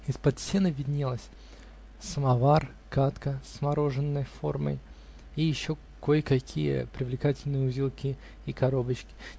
Из-под сена виднелись: самовар, кадка с мороженой формой и еще кой-какие привлекательные узелки и коробочки.